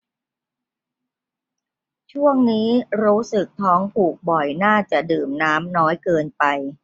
ช่วงนี้รู้สึกท้องผูกบ่อยน่าจะดื่มน้ำน้อยเกินไป